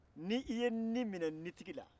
ni i ye ni minɛ ni tigi la